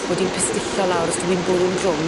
...bod 'i'n pistillo lawr os dyw 'i'n bwrw'n drwm.